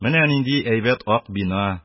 Менә нинди әйбәт ак бина...